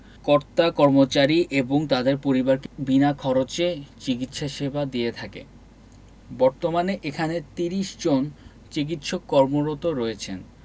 কর্তাকর্মচারী এবং তাদের পরিবারকে বিনা খরচে চিকিৎসা সেবা দিয়ে থাকে বর্তমানে এখানে ৩০ জন চিকিৎসক কর্মরত রয়েছেন